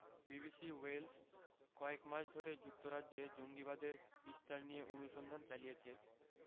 BBC Wales কয়েক মাস ধরে যুক্তরাজ্যে জঙ্গিবাদের বিস্তার নিয়ে অনুসন্ধান চালিয়েছে